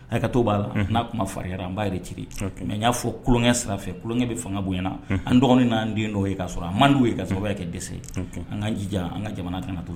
Hakɛto b'a la unhun n'a kuma farinyara n b'a rétirer unhun mais ɲ'a fɔ kuloŋɛ sira fɛ kuloŋɛ de fanga boɲa na an dɔgɔnin n'an den dɔ ye k'a sɔrɔ a mand''u ye k'a sababuya kɛ dɛsɛ ye ok an k'an jija an ka jamana kana to